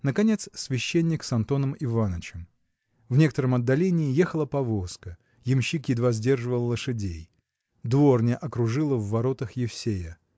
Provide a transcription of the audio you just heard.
наконец священник с Антоном Иванычем В некотором отдалении ехала повозка. Ямщик едва сдерживал лошадей. Дворня окружила в воротах Евсея.